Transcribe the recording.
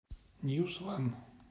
ньюс ван